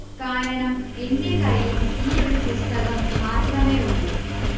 കാരണം എന്റെ കയ്യിൽ ഈ ഒരു പുസ്തകം മാത്രമേ ഉള്ളൂ